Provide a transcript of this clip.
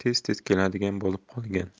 tez tez keladigan bo'lib qolgan